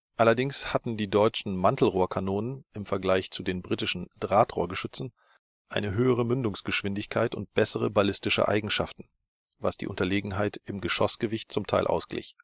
Allerdings hatten die deutschen Mantelrohrkanonen im Vergleich zu den britischen Drahtrohrgeschützen eine höhere Mündungsgeschwindigkeit und bessere ballistische Eigenschaften, was die Unterlegenheit im Geschossgewicht zum Teil ausglich